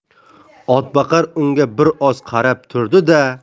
otboqar unga bir oz qarab turdi da